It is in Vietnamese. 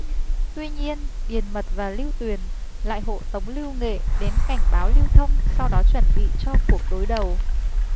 tuy nhiên điền mật và lưu tuyền lại hộ tống lưu nghệ đến cảnh báo lưu thông sau đó chuẩn bị cho cuộc đối đầu